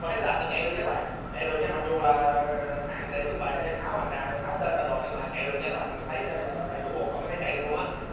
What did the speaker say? và cái xe đạp này chạy được nha các bạn chạy được nha mặc dù là hãng để trưng bày ở đây tháo bàn đạp tháo sên ra rồi nhưng mà chạy được nha mình thấy ở đây có đầy đủ bộ phận có thể chạy được luôn